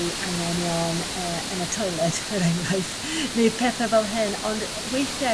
ei angenion e yn y toiled? Er enghraifft neu'r petha' fel hyn ond weithiau